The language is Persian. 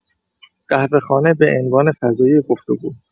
قهوه‌خانه به‌عنوان فضای گفت‌وگو